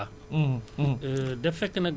loolu ñun dañu la koy delloo comme ndàmpaay